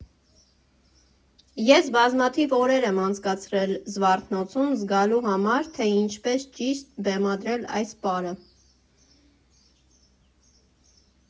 Ես բազմաթիվ օրեր եմ անցկացրել Զվարթնոցում՝ զգալու համար, թե ինչպես ճիշտ բեմադրել այս պարը։